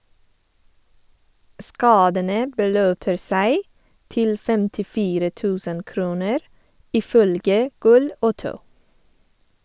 Skadene beløper seg til 54.000 kroner, ifølge Gol Auto.